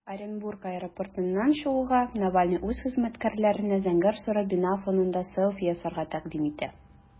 Оренбург аэропортыннан чыгуга, Навальный үз хезмәткәрләренә зәңгәр-соры бина фонында селфи ясарга тәкъдим итә.